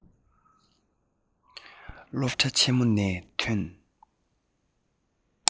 སློབ གྲྭ ཆེན མོ ནས ཐོན